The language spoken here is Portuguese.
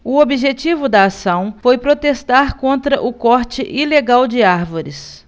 o objetivo da ação foi protestar contra o corte ilegal de árvores